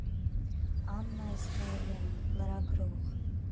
Աննա Իսրայելյան, լրագրող։